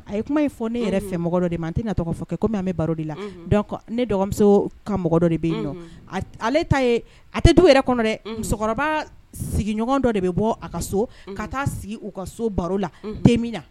A ye kuma in fɔ ne yɛrɛ fɛ mɔgɔ dɔ de ma tɛ na tɔgɔ fɔ kɛ kɔmi baro de la ne dɔgɔmuso ka mɔgɔ dɔ de bɛ yen ale ta yen a tɛ to yɛrɛ kɔnɔ dɛ musokɔrɔba sigiɲɔgɔn dɔ de bɛ bɔ a ka so ka taa sigi u ka so baro la temin na